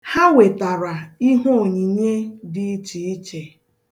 Ha wetara ihe onyinye dị iche iche.